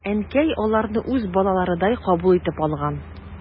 Әнкәй аларны үз балаларыдай кабул итеп алган.